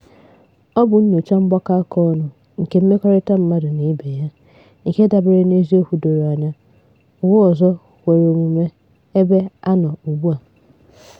Ọ bụ nnyocha mgbakọ aka ọnụ nke mmekọrịta mmadụ na ibe ya, nke dabere n'eziokwu doro anya: ụwa ọzọ kwere omume, ebe a na ugbu a.